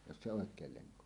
jos se oikein lenko on